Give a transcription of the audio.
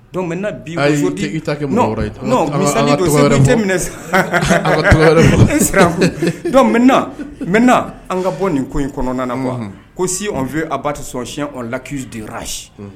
Dɔnku an ka bɔ nin ko in kɔnɔna ma ko si a ba to sonyɛn laki dera